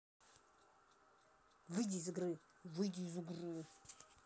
выйди из игры выйди из игры